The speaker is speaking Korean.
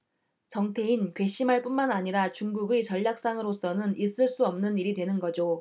정태인 괘씸할 뿐만 아니라 중국의 전략상으로서는 있을 수 없는 일이 되는 거죠